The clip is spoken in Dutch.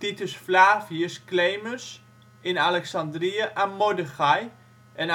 Titus Flavius Clemens in Alexandrië aan Mordechai, en